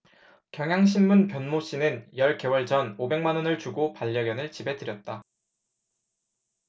경향신문 변모씨는 열 개월 전 오백 만원을 주고 반려견을 집에 들였다